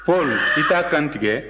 paul i t'a kantigɛ